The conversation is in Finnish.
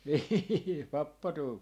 niin pappa tuumi